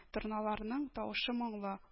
Торналарның тавышы моңлы